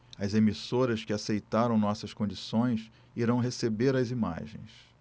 as emissoras que aceitaram nossas condições irão receber as imagens